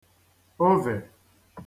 ovè